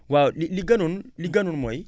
waaw li li gënoon li gënoon mooy